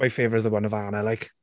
My favourite is the one of Anna like...